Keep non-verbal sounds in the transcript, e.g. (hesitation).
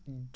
(hesitation) (hesitation)